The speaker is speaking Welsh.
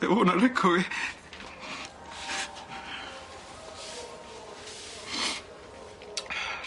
Efo hwnna'n wreco fi.